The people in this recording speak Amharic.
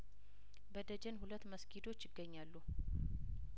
በደጀን ሁለት መስጊዶች ይገኛሉ